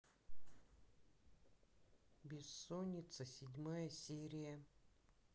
бессонница седьмая серия